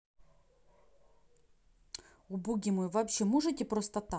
о боги мой вообще можете просто так